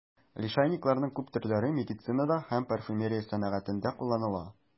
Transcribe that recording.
Лишайникларның күп төрләре медицинада һәм парфюмерия сәнәгатендә кулланыла.